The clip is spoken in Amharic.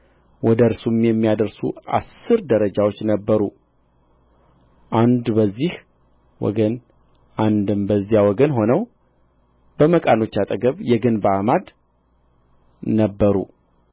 ወደ እርሱም የሚያደርሱ አሥር ደረጃዎች ነበሩ አንድ በዚህ ወገን አንድም በዚያ ወገን ሆነው በመቃኖቹ አጠገብ የግንብ አዕማድ ነበሩ